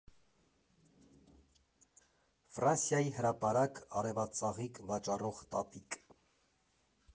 Ֆրանսիայի հրապարակ, արևածաղիկ վաճառող տատիկ.